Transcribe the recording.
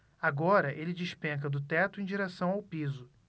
agora ele despenca do teto em direção ao piso